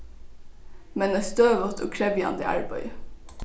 men eitt støðugt og krevjandi arbeiði